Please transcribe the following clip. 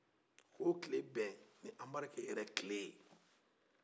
ka o tile bɛ ni anbarike yɛrɛ tile ye